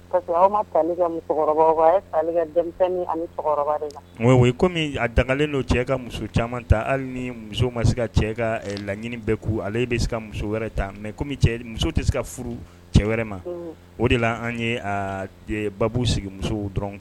Kɔmi danlen don cɛ ka muso caman ta hali ni muso ma se ka cɛ ka laɲini bɛɛ kun ale bɛ se ka muso wɛrɛ ta mɛ kɔmi muso tɛ se ka furu cɛ wɛrɛ ma o de la an ye baa sigi muso dɔrɔn